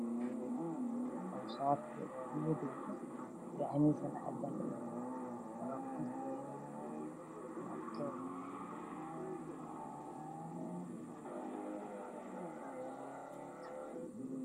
Waxaa ii muuqda laabtoof saaran miis cadaan laabto kooxaha ku jira xarig yar ah oo qof ayaa isticmaalayo